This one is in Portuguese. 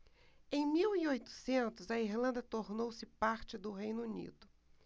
em mil e oitocentos a irlanda tornou-se parte do reino unido